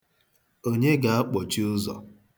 Onye ga-akpọchi ụzọ?